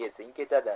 esing ketadi